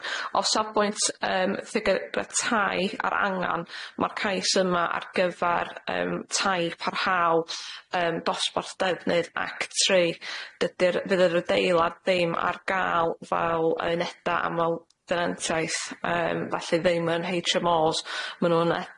O safbwynt yym ffigy- yy tai ar angan ma'r cais yma ar gyfar yym tai parhaol yym dosbarth defnydd act tri, dydi'r fydd y radeilad ddim ar ga'l fel yy uneda' amal denantiaeth yym felly ddim yn Heitch Em o ma' nw'n